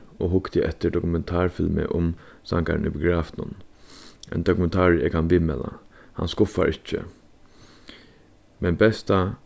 og hugdi eftir dokumentarfilmi um sangarin í biografinum ein dokumentarur eg kann viðmæla hann skuffar ikki men besta